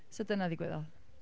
So dyna ddigwyddodd.